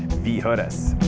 vi høres.